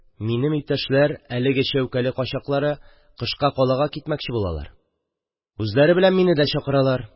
Минем иптәшләр, әлеге Чәүкәле качаклары, кышка калага китмәкче булалар, үзләре белән мине дә чакыралар.